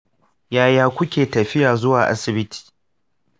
yaya kuke tafiya zuwa asibiti?